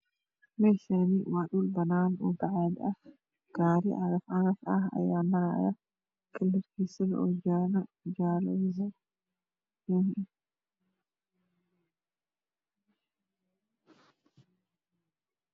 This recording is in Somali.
Meshan waa dhul bananah oo bacad ah gari cafcaf aya marayo kalarkis oo yahay jale